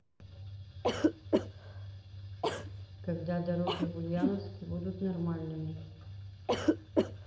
когда дороги в ульяновске будут нормальными